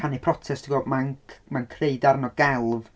Canu protest ti'n gwbod, mae'n, mae'n creu darn o gelf.